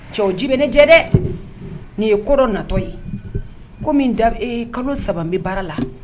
Cɛw ji bɛ ne jɛ dɛ' ye kodɔn natɔ ye ko kalo saba bɛ baara la